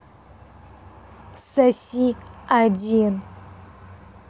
соси один